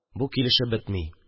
Бу килешеп бетми